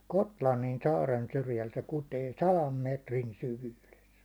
Gotlannin saaren syrjällä se kutee sadan metrin syvyydessä